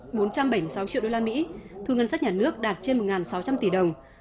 bốn trăm bảy mươi sáu triệu đô la mỹ thu ngân sách nhà nước đạt trên một ngàn sáu trăm tỷ đồng